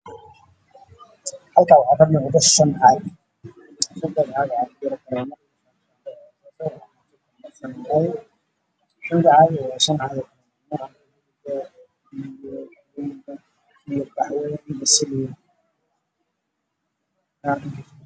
Halkaan waxaa ka muuqdo shan caag